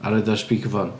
A roid o ar speakerphone.